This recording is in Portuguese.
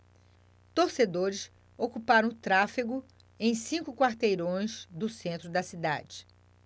torcedores ocuparam o tráfego em cinco quarteirões do centro da cidade